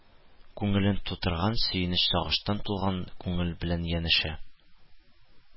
Күңелен тутырган, сөенеч-сагыштан тулган күңел белән янәшә